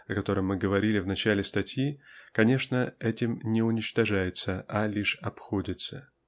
о котором мы говорили в начале статьи конечно этим не уничтожается а лишь обходится